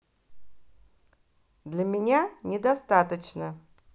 для меня недостаточно